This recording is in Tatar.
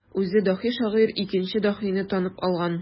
Үзе даһи шагыйрь икенче даһине танып алган.